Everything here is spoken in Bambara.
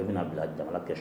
O bɛna bila jamana kɛ